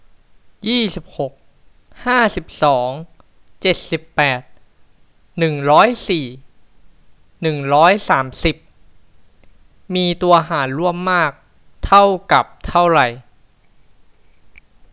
ยี่สิบหกห้าสิบสองเจ็ดสิบแปดหนึ่งร้อยสี่หนึ่งร้อยสามสิบมีตัวหารร่วมมากเท่ากับเท่าไหร่